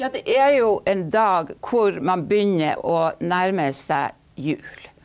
ja det er jo en dag hvor man begynner å nærme seg jul.